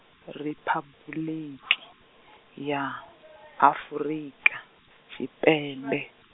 Riphabuḽiki ya , Afrika Tshipembe.